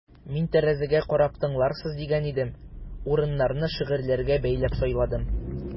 Мин тәрәзәгә карап тыңларсыз дигән идем: урыннарны шигырьләргә бәйләп сайладым.